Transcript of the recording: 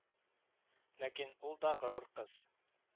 Ләкин ул да горур кыз